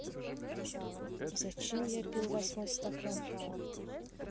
зачем я пил восьмой стакан